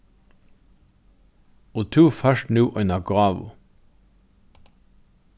og tú fært nú eina gávu